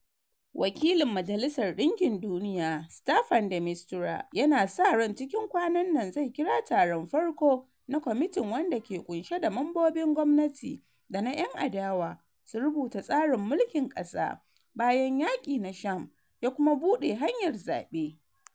Wakilin Majalisar Ɗinkin Duniya Staffan de Mistura yana sa ran cikin kwanan nan zai kira taron farko na kwamitin wanda ke kunsheda mambobin gwamnati da na ‘yan adawa su rubuta tsarin mulkin kasa bayan yaki na Sham ya kuma buɗe hanyar zabe.